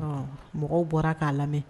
Mɔgɔw bɔra k'a lamɛn